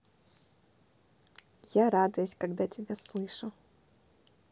я радуюсь когда тебя слышу